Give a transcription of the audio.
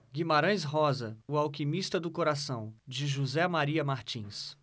guimarães rosa o alquimista do coração de josé maria martins